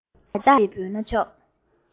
སྦྱིན བདག ཅེས འབོད ན ཆོག